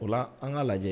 O la an ka lajɛ